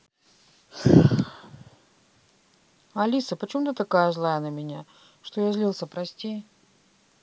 алиса почему ты такая злая на меня что я злился прости